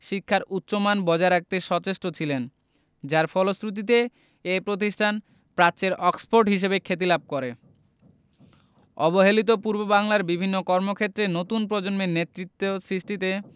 শিক্ষার উচ্চমান বজায় রাখতে সচেষ্ট ছিলেন যার ফলশ্রুতিতে এ প্রতিষ্ঠান প্রাচ্যের অক্সফোর্ড হিসেবে খ্যাতি লাভ করে অবহেলিত পূর্ববাংলার বিভিন্ন কর্মক্ষেত্রে নতুন প্রজন্মের নেতৃত্ব সৃষ্টিতে